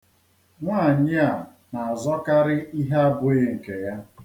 Nwaanyị a na-azọkarị ihe abụghị nke ya.